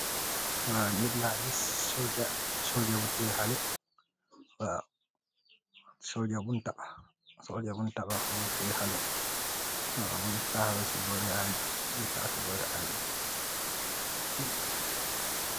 Nit laa gis, soldaar bu tiye xalé. Waaw, soldaar buñ tabax mu tiye xalé. Waaw, mu ngi taxaw, si boor i aage bi